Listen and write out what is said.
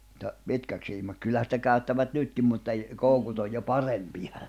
mutta pitkäksi siimaksi kyllähän sitä käyttävät nytkin mutta - koukut on jo parempia